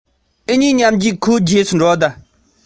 སྣ ལུད ཤུགས ཀྱིས ཡར